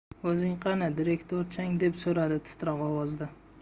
o'zi qani direktorchang deb so'radi titroq ovozda